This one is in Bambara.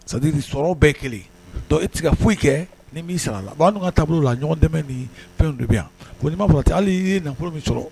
c'est à dire Que sɔrɔw bɛɛ ye kelen ye . Donc e ti se foyi kɛ ni mi sara la . Donc an dun ka taabolo la ɲɔgɔn dɛmɛ ni fɛnw de bi yen yan . Bon ni ma farati hali i ye nafolo min sɔrɔ